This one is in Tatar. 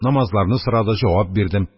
Намазларны сорады, җавап бирдем.